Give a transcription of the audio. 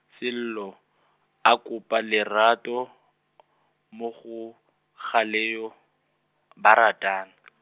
Sello , a kopa lerato , mo go, Galeyo , ba ratana .